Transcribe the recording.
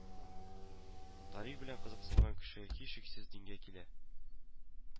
Тарих белән кызыксынган кеше һичшиксез дингә килә